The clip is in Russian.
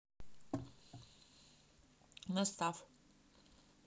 настав